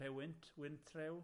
Rhewynt, gwynthrew.